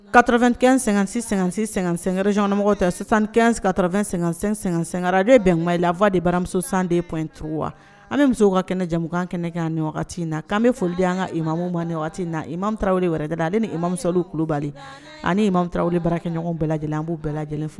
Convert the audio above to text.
Ka2 kɛ---sɛɛrɛcɔnmɔgɔ ta sisanka2--sɛgaden bɛnugan i lafa de baramuso sanden ptu wa an bɛ muso ka kɛnɛ jamanamukan kɛnɛ kɛ ni in na'an bɛ foli an ka i mamu na i ma tarawelew wɛrɛ da ale ni i mamisaw kulubali ani mawu bara kɛɲɔgɔn bɛɛ lajɛlen an' bɛɛ lajɛlen fo